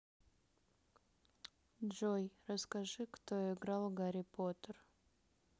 джой расскажи кто играл гарри поттер